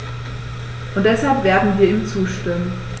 Und deshalb werden wir ihm zustimmen.